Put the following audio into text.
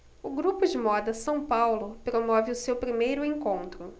o grupo de moda são paulo promove o seu primeiro encontro